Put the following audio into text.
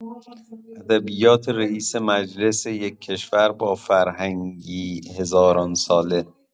ادبیات رئیس مجلس یک کشور با فرهنگی هزاران ساله